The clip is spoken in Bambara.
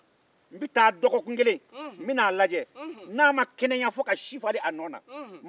n bɛ taa n bɛ na a lajɛ dɔgɔkun kelen n'a ma kɛnɛ ya ka si falen a nɔ na